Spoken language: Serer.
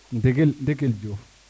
ndigil Diouf